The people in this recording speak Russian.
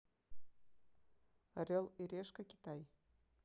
орел и решка китай